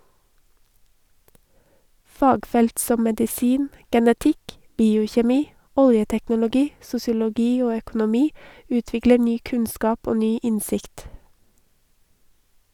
Fagfelt som medisin , genetikk, biokjemi, oljeteknologi, sosiologi og økonomi utvikler ny kunnskap og ny innsikt.